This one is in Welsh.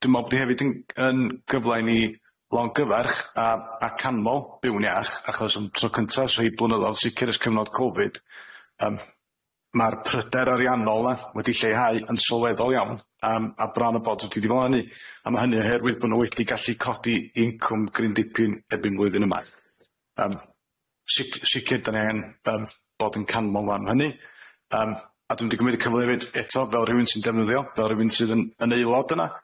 dwi me'wl bod hi hefyd yn yn gyfle i ni longyfarch a a canmol Byw'n Iach achos am tro cynta ers rei blynyddodd yn sicir e's cyfnod Covid yym ma'r pryder ariannol 'na wedi lleihau yn sylweddol iawn yym a bron a bod wedi diflannu a ma' hynny oherwydd bo n'w wedi gallu codi incwm gryn dipyn erbyn flwyddyn yma yym sic- sicir 'dan ni angan bod yn canmol fan hynny yym a dwi mynd i gymyd y cyfle 'efyd eto fel rhywun sy'n defnyddio fel rywun sydd yn yn eulod yna,